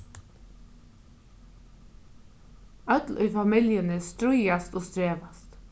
øll í familjuni stríðast og strevast